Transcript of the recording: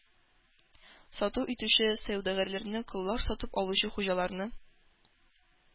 Сату итүче сәүдәгәрләрне, коллар сатып алучы хуҗаларны